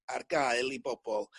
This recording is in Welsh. ar gael i bobol